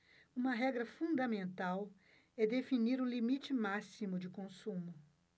uma regra fundamental é definir um limite máximo de consumo